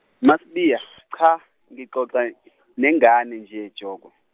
MaSibiya cha, ngixoxa, nengane nje, Joko.